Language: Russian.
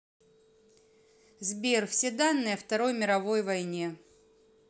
сбер все данные о второй мировой войне